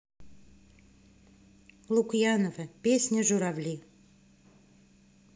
лукьяновка песня журавли